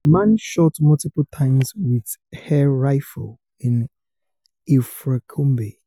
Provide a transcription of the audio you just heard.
Man shot multiple times with air rifle in Ilfracombe